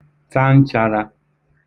ta nchārā